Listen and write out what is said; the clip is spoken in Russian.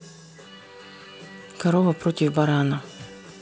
корова против барана